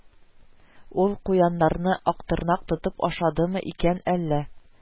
Ул куяннарны Актырнак тотып ашадымы икән әллә